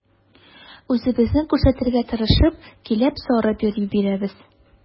Үзебезне күрсәтергә тырышып, киләп-сарып йөри бирәбез.